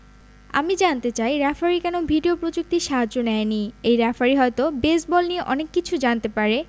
আমি জানতে চাই রেফারি কেন ভিডিও প্রযুক্তির সাহায্য নেয়নি এই রেফারি হয়তো বেসবল নিয়ে অনেক কিছু জানতে পারে